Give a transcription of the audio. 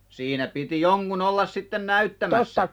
siinä piti jonkun olla sitten näyttämässä